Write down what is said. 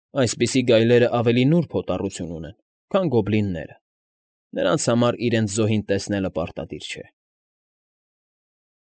Այդպիսի գայլերն ավելի նուրբ հոտառություն ունեն, քան գոբլինները, նրանց համար իրենց զոհին տեսնելը պարտադիր չէ։ ֊